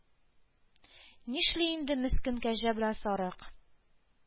Нишли инде мискин Кәҗә белән Сарык?